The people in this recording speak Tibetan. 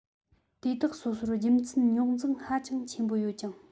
དེ དག སོ སོར རྒྱུ མཚན རྙོག འཛིང ཧ ཅང ཆེན པོ ཡོད ཀྱང